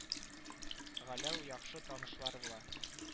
Галәү яхшы танышлар була